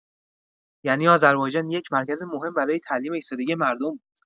یعنی آذربایجان یک مرکز مهم برای تعلیم ایستادگی مردم بود.